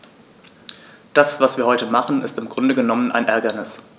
Das, was wir heute machen, ist im Grunde genommen ein Ärgernis.